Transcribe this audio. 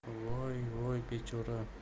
voy voy bechora